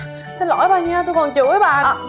xin lỗi bà nha tui còn chửi bà